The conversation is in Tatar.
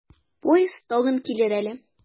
Поезд тагын килер әле.